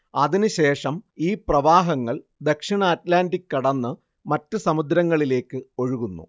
അതിനുശേഷം ഈ പ്രവാഹങ്ങൾ ദക്ഷിണ അറ്റ്ലാന്റിക് കടന്ന് മറ്റു സമുദ്രങ്ങളിലേക്ക് ഒഴുകുന്നു